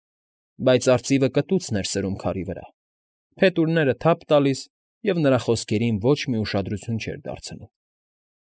Բայց արծիվը կտուցն էր սրում քարի վրա, փետուրները թափ տալիս և նրա խոսքերին ոչ մի ուշադրություն չէր դարձնում։